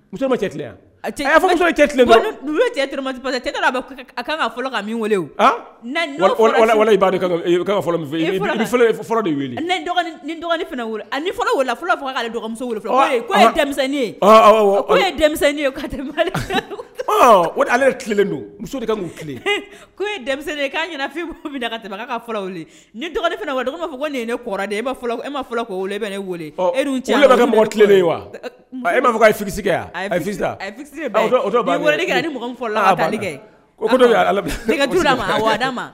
Muso cɛ cɛ cɛ kan weele fɔlɔ dɔgɔnin fɔlɔmuso e ye o ale don muso dɛ'fin tɛmɛ dɔgɔnin wa'a fɔ ko nin ye ne kɔrɔ e ma ko e bɛ ne weele ye wa e'a fɔsi